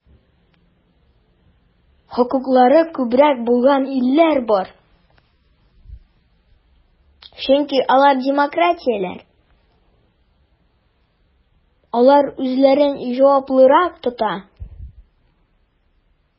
Хокуклары күбрәк булган илләр бар, чөнки алар демократияләр, алар үзләрен җаваплырак тота.